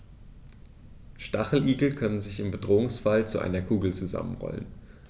Stacheligel können sich im Bedrohungsfall zu einer Kugel zusammenrollen.